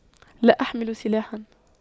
لا أحمل سلاحا